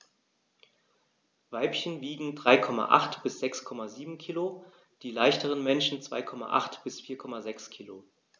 Weibchen wiegen 3,8 bis 6,7 kg, die leichteren Männchen 2,8 bis 4,6 kg.